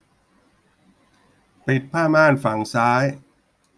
ปิดผ้าม่านฝั่งซ้าย